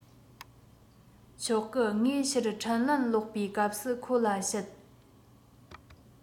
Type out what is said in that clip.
ཆོག གི ངས ཕྱིར འཕྲིན ལན ལོག པའི སྐབས སུ ཁོ ལ བཤད